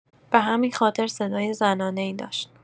به همین خاطر صدای زنانه‌ای داشت.